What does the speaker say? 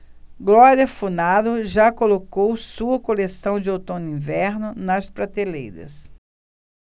glória funaro já colocou sua coleção de outono-inverno nas prateleiras